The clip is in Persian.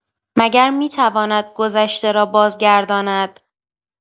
مگر می‌تواند گذشته را بازگرداند؟